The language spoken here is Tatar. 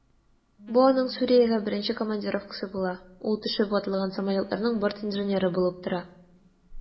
Бу аның Сүриягә беренче командировкасы була, ул төшеп ватылган самолетның бортинженеры булып тора.